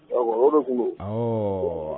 D'accord o de tun don , awɔɔ